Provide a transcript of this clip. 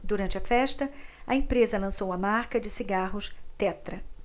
durante a festa a empresa lançou a marca de cigarros tetra